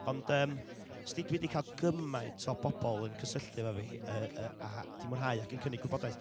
Ond, yym, sdi, dwi 'di cael gymaint o bobl yn cysylltu efo fi, yy, yy, a 'di mwynhau ac yn cynnig gwybodaeth,